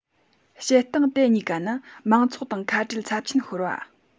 བྱེད སྟངས དེ གཉིས ཀ ནི མང ཚོགས དང ཁ བྲལ ཚབས ཆེན ཤོར བ